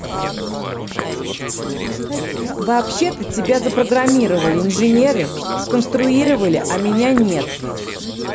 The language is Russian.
вообще то тебя запрограммировали инженеры сконструировали а меня нет